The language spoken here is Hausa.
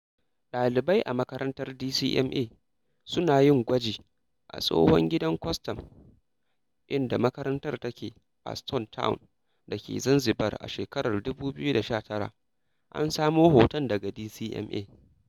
ɗalibai a makarantar DCMA su na yin gwaji a Tsohon Gidan Kwastam inda makarantar take, a Stone Town da ke Zanzibar a shekarar 2019. An samo hoton daga DCMA.